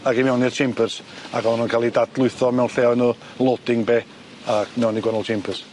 ag i mewn i'r chambers ag o'n nw'n ca'l 'u dadlwytho mewn lle o'n n'w loading bay a mewn i gwanol chambers.